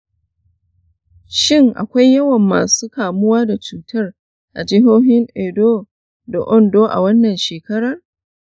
shin akwai yawan masu kamuwa da cutar a jihohin edo da ondo a wannan shekarar?